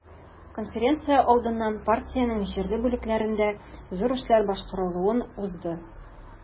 Конференция алдыннан партиянең җирле бүлекләрендә зур эшләр башкарылуын узды.